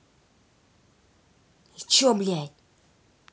и че блядь